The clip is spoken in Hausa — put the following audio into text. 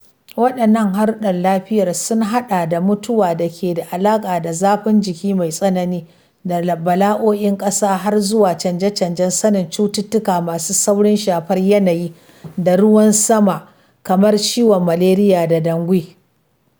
Waɗannan haɗurran lafiyar sun haɗa da mutuwa da ke da alaƙa da zafin jiki mai tsanani da bala’o’in ƙasa, har zuwa canje-canjen tsarin cututtuka masu saurin shafar yanayi da ruwan sama, kamar ciwon Malaria da Dengue.